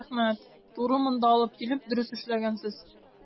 Рәхмәт, туры монда алып килеп дөрес эшләгәнсез.